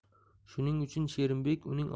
shuning uchun sherimbek uning otini